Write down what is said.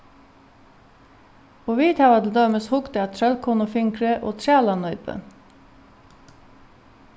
og vit hava til dømis hugt at trøllkonufingri og trælanípu